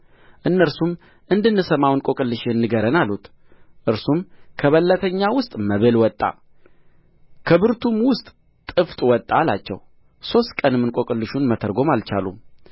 እነርሱም እንድንሰማው እንቆቅልሽህን ንገረን አሉት እርሱም ከበላተኛው ውስጥ መብል ወጣ ከብርቱም ውስጥ ጥፍጥ ወጣ አላቸው ሦስት ቀንም እንቈቅልሹን መተርጎም አልቻሉም